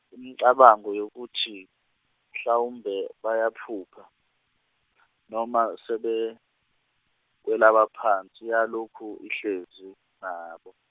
imicabango yokuthi mhlawumbe bayaphupha, noma sebekwelabaphansi yalokhu ihlezi nabo.